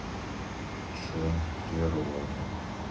шум природы